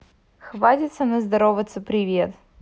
хватит со мной здороваться привет